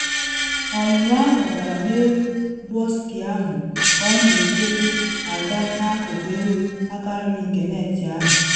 Ọnwụnwa ahụ gara n’elu bọksị ahụ ka ọ na eselụ aga n’akụkụ elu akanri nke net ahụ.